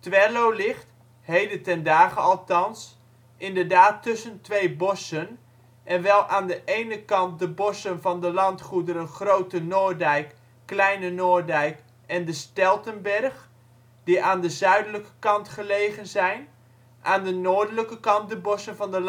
Twello ligt, heden ten dage althans, inderdaad tussen twee bossen en wel aan de ene kant de bossen van de landgoederen ' Grote Noordijk ',' Kleine Noordijk ' en ' de Steltenberg ' die aan de zuidelijke kant gelegen zijn. Aan de noordelijke kant de bossen van de